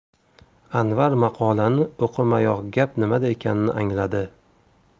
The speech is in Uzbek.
anvar maqolani o'qimayoq gap nimada ekanini angladi